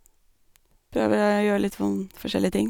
Prøver å gjøre litt sånn forskjellige ting.